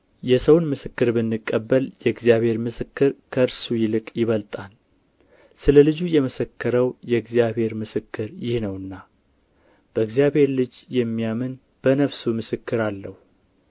የሰውን ምስክር ብንቀበል የእግዚአብሔር ምስክር ከእርሱ ይልቅ ይበልጣል ስለ ልጁ የመሰከረው የእግዚአብሔር ምስክር ይህ ነውና በእግዚአብሔር ልጅ የሚያምን በነፍሱ ምስክር አለው